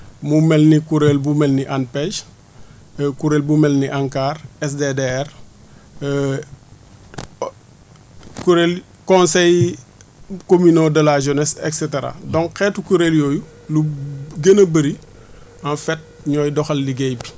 mu mel ni kuréel bu mel ni ANPEJ kuréel bu mel ni ANCAR SDDR kuréel conseil communaux de la jeunesse et cetera donc xeetu kuréel yooyu lu gën a bëri en fait ñooy doxal liggéey bi